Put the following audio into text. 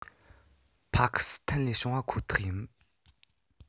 ཕ ཁི སི ཐན ལས བྱུང བ ཁོ ཐག ཡིན